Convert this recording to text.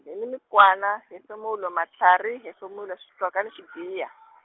hi ni mikwana hefemulo matlharhi hefemulo swihloka na swigiya.